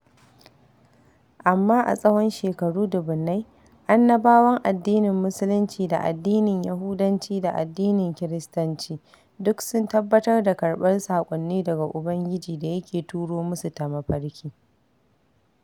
Amma a tsahon shekaru dubunnai, annabawan addinin Musulunci da addinin Yahudanci da addinin Kiristanci duk sun tabbatar da karɓar saƙonni daga Ubangiji da yake turo musu ta mafarki.